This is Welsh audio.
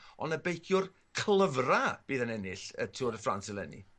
on' y beiciwr clyfra bydd yn ennill y Tour de France eleni.